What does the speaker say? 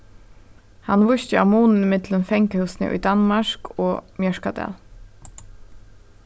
hann vísti á munin ímillum fangahúsini í danmark og mjørkadal